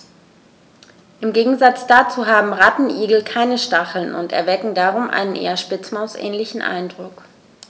Im Gegensatz dazu haben Rattenigel keine Stacheln und erwecken darum einen eher Spitzmaus-ähnlichen Eindruck.